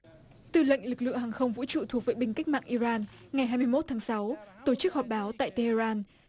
tư lệnh lực lượng hàng không vũ trụ thuộc vệ binh cách mạng i ran ngày hai mươi mốt tháng sáu tổ chức họp báo tại te hê ran